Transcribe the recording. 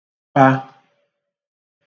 pa